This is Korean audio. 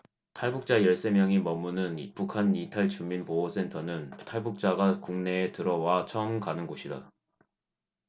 탈북자 열 세 명이 머무는 북한이탈주민보호센터는 탈북자가 국내에 들어와 처음 가는 곳이다